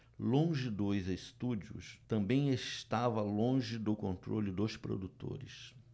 longe dos estúdios também estava longe do controle dos produtores